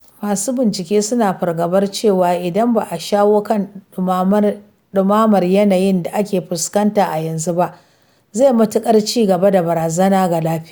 Masu bincike suna fargabar cewa, idan ba a shawo kan ɗumamar yanayin da ake fuskata a yanzu ba, zai matuƙar ci gaba da barazana ga lafiya.